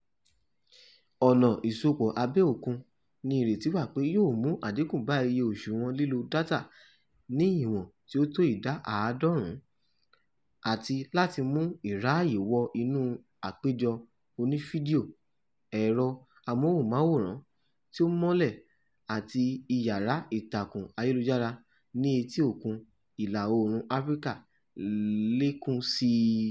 Ọ̀nà ìsopọ̀ abẹ́ òkun ni ìrètí wà pé yóò mú àdínkù bá iye òṣùwọ̀n lílo dátà ní ìwọ̀n tí ó tó ìdá àádọ́rùn-ún àti láti mú ìráyè wọ inú àpéjọ oní fídíò, ẹ̀rọ amọ́hùnmáwòrán tí ó mọ́lẹ̀ àti ìyára ìtàkùn ayélujára ní etí òkun ìlà oòrùn Áfíríkà lékún sí i.